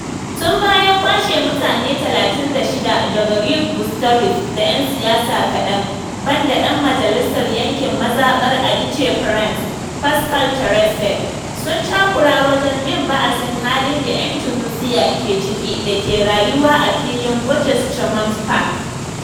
Tun bayan kwashe mutane 36 daga rue Botzaris, da ƴan siyasa kaɗan – banda ɗan majalisar yankin mazaɓar Ardèche French, Pascal Terrasse – sun takura wajen bin baasin halin da ‘yan Tunisiya ke ciki da ke rayuwa a filin Buttes Chaumont Park.